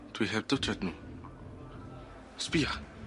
Dwi heb dwtsiad nw. Sbïa.